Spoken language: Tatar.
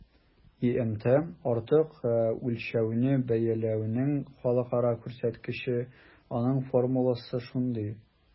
ИМТ - артык үлчәүне бәяләүнең халыкара күрсәткече, аның формуласы шундый: